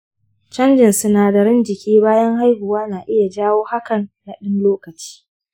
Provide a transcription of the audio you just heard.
canjin sinadaran jiki bayan haihuwa na iya jawo hakan na ɗan lokaci.